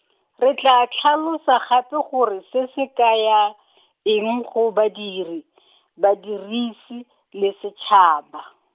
re tla tlhalosa gape gore se se kaya , eng go badiri , badirisi le setšhaba.